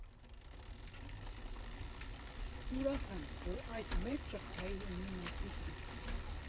Ուրախ եմ, որ այդ մեծ շղթայի մի մասնիկն եմ։